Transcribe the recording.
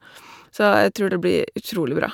Så jeg tror det blir utrolig bra.